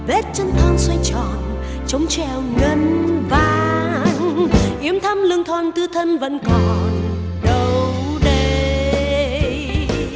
vết chân thon tròn xoay tròn trống chèo ngân vang yếm thắt lưng thon tứ thân vẫn còn đâu đây